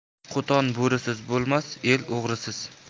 qo'ton bo'risiz bo'lmas el o'g'risiz